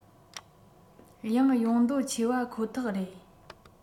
ཡང ཡོང འདོད ཆེ པ ཁོ ཐག རེད